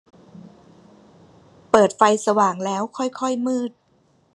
เปิดไฟสว่างแล้วค่อยค่อยมืด